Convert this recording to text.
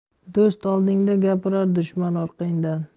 do'st oldingda gapirar dushman orqangdan